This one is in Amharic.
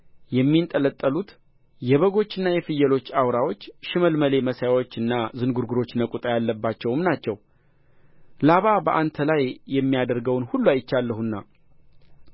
የሚንጠላጠሉት የበጎችና የፍየሎች አውራዎች ሽመልመሌ መሳዮችና ዝንጕርጕሮች ነቁጣ ያለባቸውም ናቸው ላባ በአንተ ላይ የሚያደርገውን ሁሉ አይቼአለሁና